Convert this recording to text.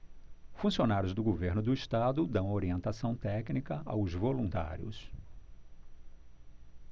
funcionários do governo do estado dão orientação técnica aos voluntários